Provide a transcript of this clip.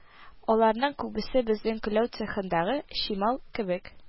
Аларның күбесе безнең көлләү цехындагы чимал кебек